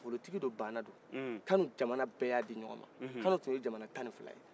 nafolo tigidon baana don kanu jamana bɛɛ y'a di ɲɔgɔn ma kanu tun ye jamana tan ni fila ye